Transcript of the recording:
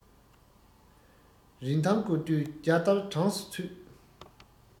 རིན ཐང སྐོར དུས བརྒྱ སྟར གྲངས སུ ཚུད